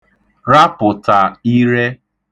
rapụ̀tà ire